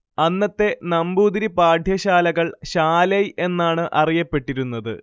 അന്നത്തെ നമ്പൂതിരി പാഠ്യശാലകൾ ശാലൈ എന്നാണ് അറിയപ്പെട്ടിരുന്നത്